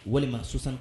Walima sonsan